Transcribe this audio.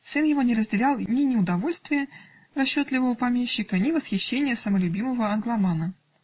Сын его не разделял ни неудовольствия расчетливого помещика, ни восхищения самолюбивого англомана